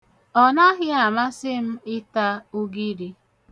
Ọ naghị amasị m ịta ugiri.